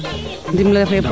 ndimle fee fop